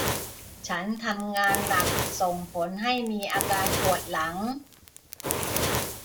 ฉันทำงานหนักส่งผลให้มีอาการปวดหลัง